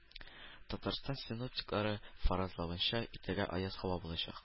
Татарстан синоптиклары фаразлавынча, иртәгә аяз һава булачак